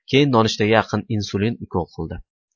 keyin nonushtaga yaqin insulin ukol qildi